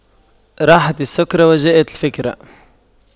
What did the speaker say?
راحت السكرة وجاءت الفكرة